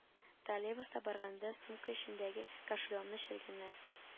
Троллейбуста барганда сумка эчендәге кошелегымны чәлгәннәр